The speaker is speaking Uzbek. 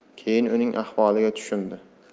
keyin uning ahvoliga tushundi